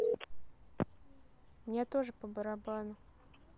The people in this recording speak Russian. мне тоже по барабану